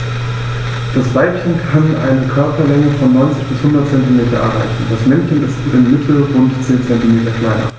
Das Weibchen kann eine Körperlänge von 90-100 cm erreichen; das Männchen ist im Mittel rund 10 cm kleiner.